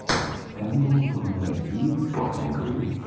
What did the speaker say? гандбол сборная россии сборная грузии